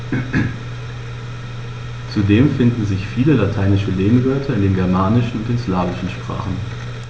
Zudem finden sich viele lateinische Lehnwörter in den germanischen und den slawischen Sprachen.